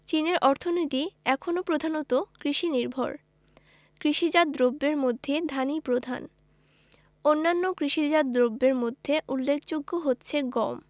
চীনের অর্থনীতি এখনো প্রধানত কৃষিনির্ভর কৃষিজাত দ্রব্যের মধ্যে ধানই প্রধান অন্যান্য কৃষিজাত দ্রব্যের মধ্যে উল্লেখযোগ্য হচ্ছে গম